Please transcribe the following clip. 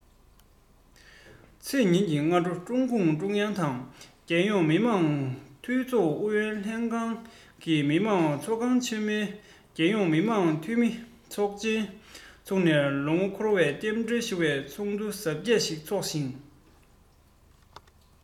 ཚེས ཉིན གྱི སྔ དྲོ ཀྲུང གུང ཀྲུང དབྱང དང རྒྱལ ཡོངས མི དམངས འཐུས ཚོགས རྒྱུན ལས ཨུ ཡོན ལྷན ཁང གིས མི དམངས ཚོགས ཁང ཆེ མོར རྒྱལ ཡོངས མི དམངས འཐུས མི ཚོགས ཆེན བཙུགས ནས ལོ ངོ འཁོར བར རྟེན འབྲེལ ཞུ བའི ཚོགས ཆེན གཟབ རྒྱས ཤིག འཚོགས ཤིང